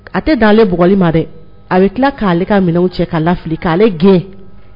A tɛ ale bugli ma dɛ a bɛ tila k'ale ale ka minɛnw cɛ ka lafili k'ale gɛn